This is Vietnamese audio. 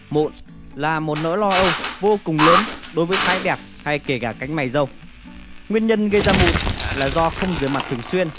mụn là nỗi lo âu vô cùng lớn đối với phái đẹp hay kể cả cánh mày râu nguyên nhân gây ra mụn là do không rửa mặt thường xuyên